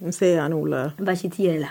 Nse a' ni wula, baasi t'i yɛrɛ la